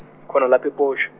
khona lapha e- Potch.